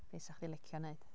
Be 'sa chdi'n licio wneud?